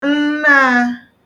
nnaā